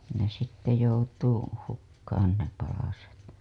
ne sitten joutuu hukkaan ne palaset